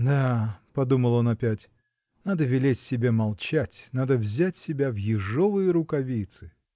"Да, -- подумал он опять, -- надо велеть себе молчать, надо взять себя в ежовые рукавицы.